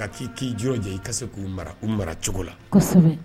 A k'i k'i jirɔja i ka se k'u mara u maracogo la kɔsɛbɛ